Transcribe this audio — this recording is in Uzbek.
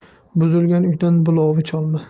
buzilgan uydan bulovich olma